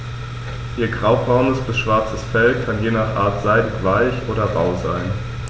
Ihr graubraunes bis schwarzes Fell kann je nach Art seidig-weich oder rau sein.